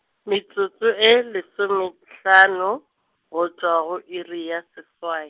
metsotso e lesomehlano, go tšwa go iri ya seswai.